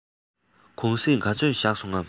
གུང གསེང ག ཚོད བཞག སོང ངམ